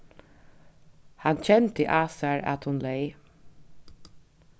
hann kendi á sær at hon leyg